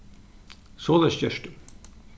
soleiðis gert tú